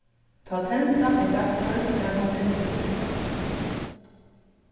tá teldan er dagførd skal hon endurbyrjast